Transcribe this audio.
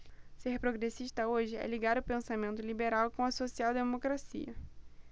ser progressista hoje é ligar o pensamento liberal com a social democracia